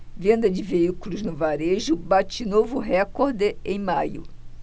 venda de veículos no varejo bate novo recorde em maio